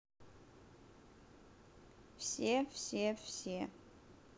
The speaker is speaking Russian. все все все